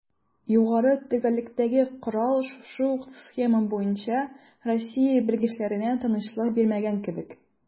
Югары төгәллектәге корал шушы ук схема буенча Россия белгечләренә тынычлык бирмәгән кебек: